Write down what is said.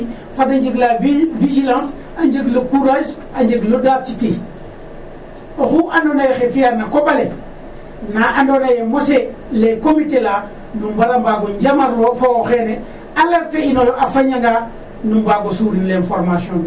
fada njeg la vigilence a njeg le courage a njeg l'audacité. Oxu andoona yee xaye fi'aa na koƥ ale na andoona yee mosee les comité la nu mbara mbaag o jamarloox o fo xene alerte inoyo a fañanga nu mbaag o suurin l'information rurale.